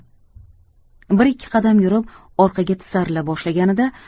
bir ikki qadam yurib orqaga tisarila boshlaganida